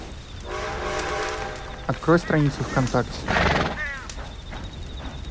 открой страницу вконтакте